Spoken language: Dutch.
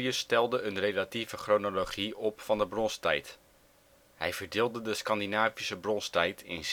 stelde een relatieve chronologie op van de bronstijd. Hij verdeelde de Scandinavische bronstijd in